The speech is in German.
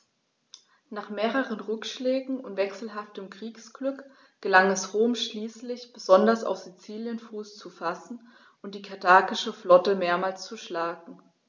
Nach mehreren Rückschlägen und wechselhaftem Kriegsglück gelang es Rom schließlich, besonders auf Sizilien Fuß zu fassen und die karthagische Flotte mehrmals zu schlagen.